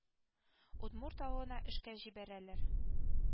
Удмурт авылына эшкә җибәрәләр